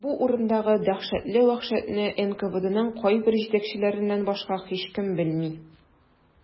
Бу урындагы дәһшәтле вәхшәтне НКВДның кайбер җитәкчеләреннән башка һичкем белми.